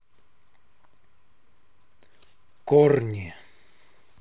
корни